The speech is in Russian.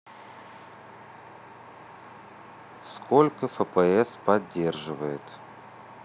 сколько фпс поддерживает